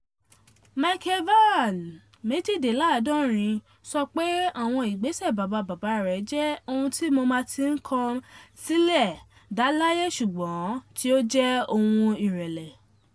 Michael Vann, 72, sọ pé àwọn ìgbéṣẹ̀ bàbà bàbà rẹ̀ jẹ́ “ohun tí mo ma tí ń kóm sì le dà láyé ṣùgbọ́n tí ó jẹ́ ohun ìrẹ̀lẹ.̀”